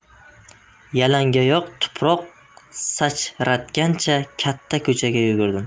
yalangoyoq tuproq sachratgancha katta ko'chaga yugurdim